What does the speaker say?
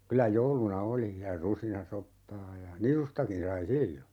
kyllä jouluna oli ja rusinasoppaa ja nisustakin sai silloin